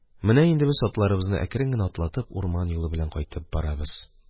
Менә инде без, атларыбызны әкрен генә атлатып, урман юлы белән кайтып барабыз